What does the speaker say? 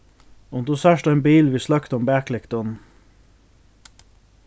um tú sært ein bil við sløktum baklyktum